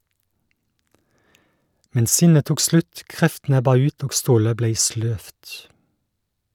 Men sinnet tok slutt, kreftene ebba ut og stålet blei sløvt.